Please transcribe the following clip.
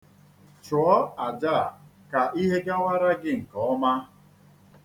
Chụọ aja a ka ihe gawara gị nke ọma.